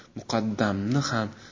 muqaddamni ham